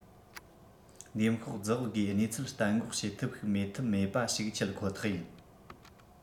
འདེམས ཤོག རྫུ བག སྒོས གནས ཚུལ གཏན འགོག བྱེད ཐབས ཤིག མེད ཐབས མེད པ ཞིག ཆེད ཁོ ཐག ཡིན